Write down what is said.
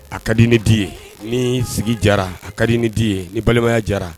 A ka dii ni di ye, ni sigi diyara a ka di ni dii ye, ni balimaya diyara.